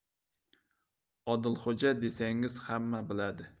odilxo'ja desangiz hamma biladi